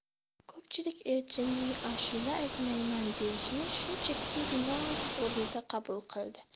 ko'pchilik elchinning ashula aytmayman deyishini shunchaki noz o'rnida qabul qildi